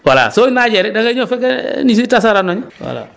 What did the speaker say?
voilà soo naajee rek da ngay ñëw fekk nit ñi tasaaroo nañu voilà